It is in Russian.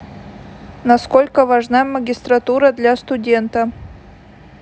насколько важна магистратура для студента